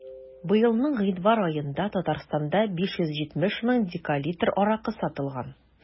Быелның гыйнвар аенда Татарстанда 570 мең декалитр аракы сатылган.